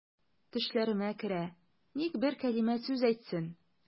Төшләремә керә, ник бер кәлимә сүз әйтсен.